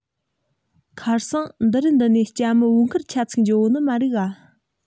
ཁ སང འདི རིགས འདི ནས སྐྱ མྱི བོའུ ཁུར ཆ ཚིག འགྱོ གོ ནི མ རིག ག